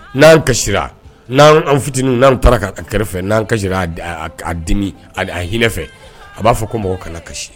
N'an kasisira n' an fitinin n'an taara kɛrɛfɛ fɛ n'an ka' dimi hinɛinɛ fɛ a b'a fɔ ko mɔgɔw kana na kasi